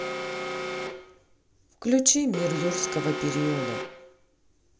включи мир юрского периода